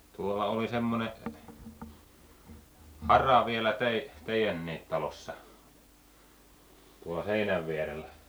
tuollahan oli semmoinen hara vielä - teidänkin talossa tuolla heinän vierellä